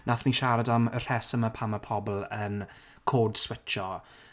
Wnaethon ni siarad am y rhesymau pam mae pobl yn côd switsio.